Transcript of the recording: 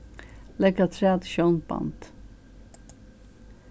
legg afturat sjónband